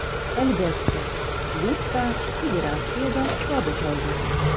Әлбәттә, клуб та, федерация дә табыш алды.